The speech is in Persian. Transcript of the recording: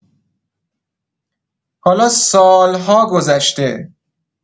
حالا سال‌ها گذشته.